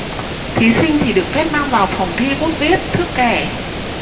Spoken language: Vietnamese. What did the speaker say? thí sinh chỉ được phép mang vào phòng thi bút viết thước kẻ